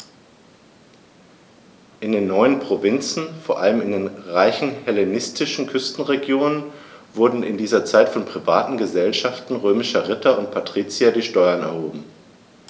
In den neuen Provinzen, vor allem in den reichen hellenistischen Küstenregionen, wurden in dieser Zeit von privaten „Gesellschaften“ römischer Ritter und Patrizier die Steuern erhoben.